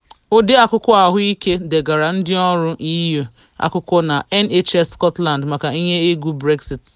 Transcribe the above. Ọde Akwụkwọ Ahụike degara ndị ọrụ EU akwụkwọ na NHS Scotland maka ihe egwu Brexit